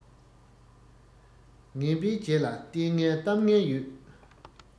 ངན པའི རྗེས ལ ལྟས ངན གཏམ ངན ཡོད